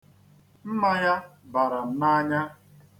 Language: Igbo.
Mma ya ya bara m n'anya.